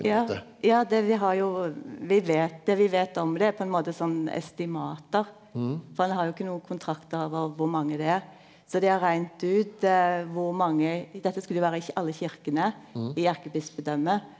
ja ja det vi har jo vi veit det vi veit om det er på ein måte sånn estimat for ein har jo ikkje noko kontraktar og kor mange det er så dei har regnt ut kor mange dette skulle jo vere i alle kyrkjene i erkebispedømmet.